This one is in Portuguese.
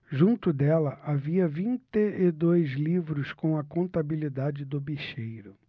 junto dela havia vinte e dois livros com a contabilidade do bicheiro